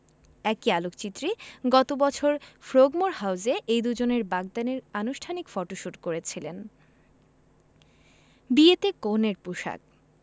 একি আলোকচিত্রী গত বছর ফ্রোগমোর হাউসে এই দুজনের বাগদানের আনুষ্ঠানিক ফটোশুট করেছিলেন বিয়েতে কনের পোশাক